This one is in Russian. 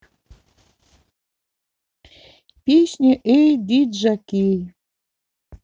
песня эй диджокей